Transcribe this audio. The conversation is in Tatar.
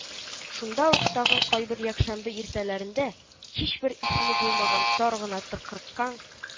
Шунда ук тагын кайбер якшәмбе иртәләрендә, һичбер исеме булмаган тар гына тыкрыктан